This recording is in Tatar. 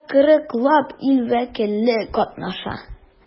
Анда 40 лап ил вәкиле катнаша.